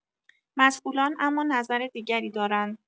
مسئولان اما نظر دیگری دارند.